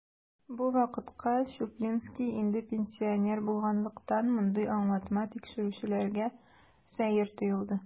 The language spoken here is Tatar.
Бу вакытка Чуплинский инде пенсионер булганлыктан, мондый аңлатма тикшерүчеләргә сәер тоелды.